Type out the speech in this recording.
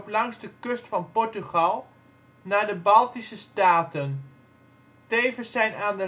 langs de kust van Portugal naar de Baltische staten. Tevens zijn aan